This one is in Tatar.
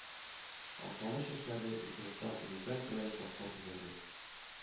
Актаныш яшьләре интернетта уникаль проект башлап җибәрде